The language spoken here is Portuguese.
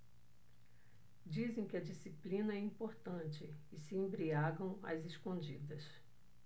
dizem que a disciplina é importante e se embriagam às escondidas